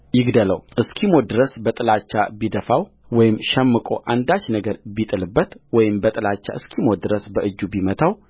ይግደለውእስኪሞት ድረስ በጥላቻ ቢደፋው ወይም ሸምቆ አንዳች ነገር ቢጥልበትወይም በጥላቻ እስኪሞት ድረስ በእጁ ቢመታው